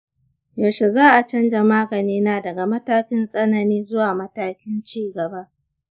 yaushe za a canza maganina daga matakin tsanani zuwa matakin ci gaba?